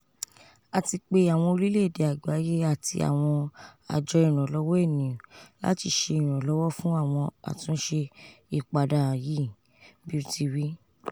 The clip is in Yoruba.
"A ti pe awọn orílẹ̀-èdè agbaye ati awọn ajọ iranlọwọ eniyan lati ṣe iranlọwọ fun awọn atunṣe ipada yii,"bi o ti wi.